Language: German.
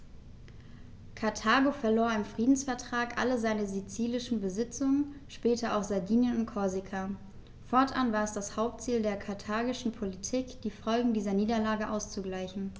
Karthago verlor im Friedensvertrag alle seine sizilischen Besitzungen (später auch Sardinien und Korsika); fortan war es das Hauptziel der karthagischen Politik, die Folgen dieser Niederlage auszugleichen.